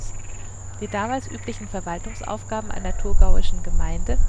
damals üblichen Verwaltungsaufgaben einer thurgauischen Gemeinde